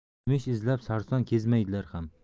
yemish izlab sarson kezmaydilar ham